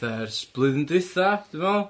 ...ers blwyddyn dwytha dwi'n meddwl.